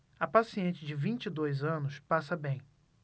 a paciente de vinte e dois anos passa bem